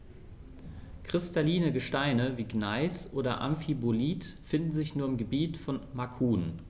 Kristalline Gesteine wie Gneis oder Amphibolit finden sich nur im Gebiet von Macun.